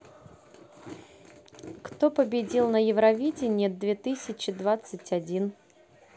кто победил на евровидение две тысячи двадцать один